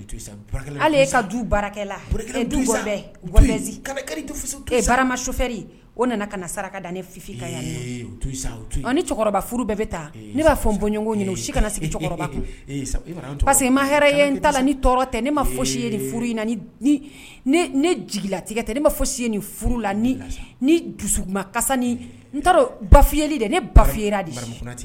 Saraka ni furu bɛɛ bɛ taa ne'a fɔ n bɔnɲɔgɔn ɲini si kana sigi que ma ni tɔɔrɔ tɛ ne ma fo si nin furu ne jiginlatigɛ tɛ ne ma si ye nin la ni ni dusu bayali de ne ba